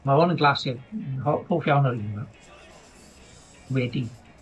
Ma' hwn yn glasur m- ho- hoff iawn yr un yma. Wedi.